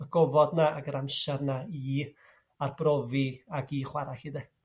y gofod 'na ag yr amsar 'na i arbrofi ag i chwara' 'lly de?